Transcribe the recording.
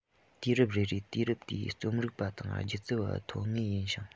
དུས རབས རེ རེར དུས རབས དེའི རྩོམ རིག པ དང སྒྱུ རྩལ པ ཐོན ངེས ཡིན ཞིང